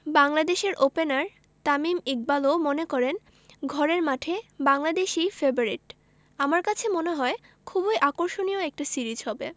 বাংলাদেশের ওপেনার তামিম ইকবালও মনে করেন ঘরের মাঠে বাংলাদেশই ফেবারিট আমার কাছে মনে হয় খুবই আকর্ষণীয় একটা সিরিজ হবে